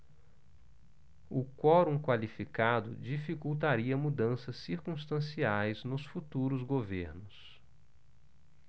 o quorum qualificado dificultaria mudanças circunstanciais nos futuros governos